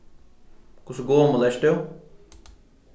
hvussu gomul ert tú